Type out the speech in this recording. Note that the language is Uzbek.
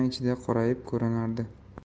ichida qorayib ko'rinardi